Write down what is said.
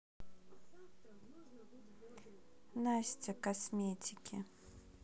настя косметики